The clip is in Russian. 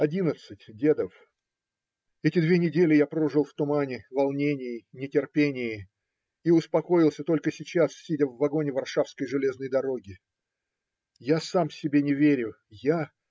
Одиннадцать ДЕДОВ. Эти две недели я прожил в тумане, волнении, нетерпении и успокоился только сейчас, сидя в вагоне Варшавской железной дороги. Я сам себе не верю я